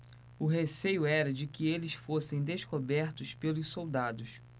o receio era de que eles fossem descobertos pelos soldados